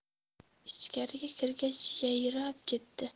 ichkariga kirgach yayrab ketdi